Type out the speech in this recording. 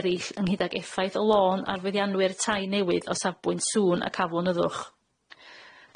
erill ynghyd ag effaith y lôn ar feddianwyr tai newydd o safbwynt sŵn ac aflonyddwch.